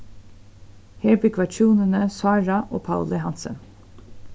her búgva hjúnini sára og pauli hansen